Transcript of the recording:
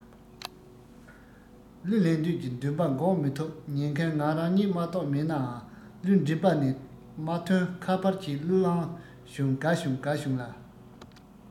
གླུ ལེན འདོད ཀྱི འདུན པ འགོག མི འདུག ཉན མཁན ང རང ཉིད མ གཏོགས མེད ནའང གླུ མགྲིན པ ནས མ ཐོན ཁ པར གྱིས གླུ བླངས བྱུང དགའ བྱུང དགའ བྱུང ལ